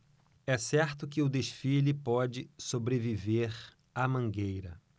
é certo que o desfile pode sobreviver à mangueira